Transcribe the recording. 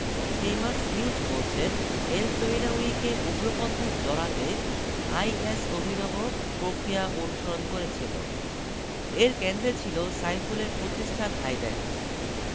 Seamus Hughes বলছেন এলসহিনাউয়িকে উগ্রপন্থায় জড়াতে আইএস অভিনব প্রক্রিয়া অনুসরণ করেছিল এর কেন্দ্রে ছিল সাইফুলের প্রতিষ্ঠান আইব্যাকস